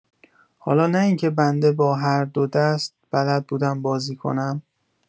حالا نه اینکه بنده با هر دو دست بلد بودم بازی کنم!